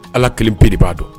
Ala kelen bereerebaa dɔn